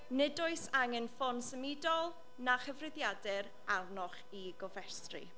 Nid oes angen ffôn symudol na chyfrifiadur arnoch i gofrestru.